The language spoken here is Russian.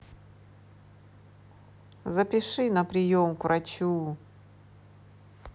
запиши на прием к врачу